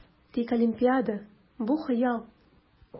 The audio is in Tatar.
Тик Олимпиада - бу хыял!